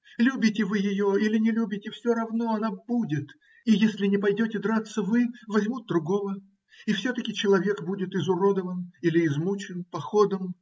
любите вы ее или не любите, все равно, она будет, и если не пойдете драться вы, возьмут другого, и все-таки человек будет изуродован или измучен походом.